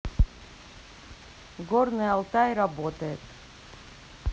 горный алтай работает